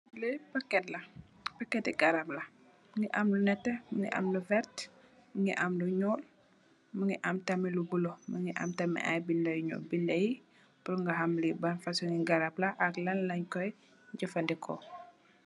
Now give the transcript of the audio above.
Lii packet la, packeti garab la, mungy am lu nehteh, mungy am lu vert, mungy am lu njull, mungy am tamit lu bleu, mungy am tamit aiiy binda yu njull, binda yii pur nga ham lii ban fasoni garab la ak lan langh koi jeufandehkor.